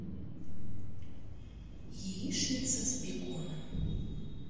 яичница с беконом